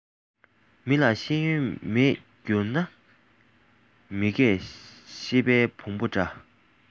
མི ལ ཤེས ཡོན མེད འགྱུར ན མི སྐད ཤེས པའི བོང བུ འདྲ